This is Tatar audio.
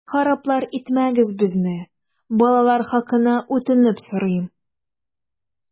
Хараплар итмәгез безне, балалар хакына үтенеп сорыйм!